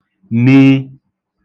n